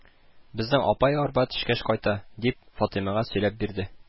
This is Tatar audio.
– безнең апай арба төшкәч кайта, – дип, фатыймага сөйләп бирде